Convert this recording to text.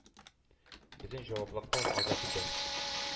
Бөтен җаваплылыктан азат итә.